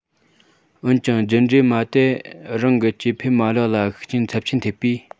འོན ཀྱང རྒྱུད འདྲེས མ དེ རང གི སྐྱེ འཕེལ མ ལག ལ ཤུགས རྐྱེན ཚབ ཆེན ཐེབས པས